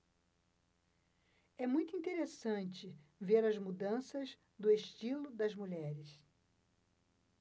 é muito interessante ver as mudanças do estilo das mulheres